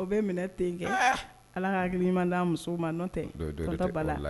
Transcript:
O bɛ minɛ ten kɛ ala ka hakililima di ma n nɔ tɛ bala la